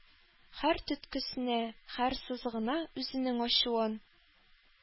Һәр төрткесенә, һәр сызыгына үзенең ачуын,